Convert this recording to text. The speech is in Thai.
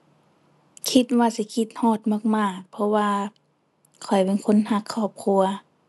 คิดว่าสิคิดฮอดมากมาก เพราะว่าข้อยเป็นคนรักครอบครัว